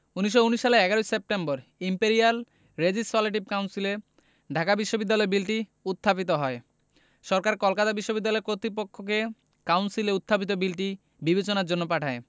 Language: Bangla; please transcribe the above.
১৯১৯ সালের ১১ সেপ্টেম্বর ইম্পেরিয়াল রেজিসলেটিভ কাউন্সিলে ঢাকা বিশ্ববিদ্যালয় বিলটি উত্থাপিত হয় সরকার কলকাতা বিশ্ববিদ্যালয় কর্তৃপক্ষকে কাউন্সিলে উত্থাপিত বিলটি বিবেচনার জন্য পাঠায়